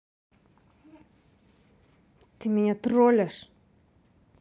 ты меня тролишь